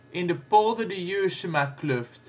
in de Polder de Juursemakluft